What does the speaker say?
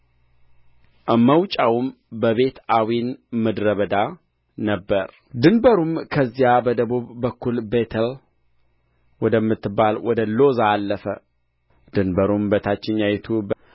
መውጫውም በቤትአዌን ምድረ በዳ ነበረ ድንበሩም ከዚያ በደቡብ በኩል ቤቴል ወደምትባል ወደ ሎዛ አለፈ ድንበሩም በታችኛው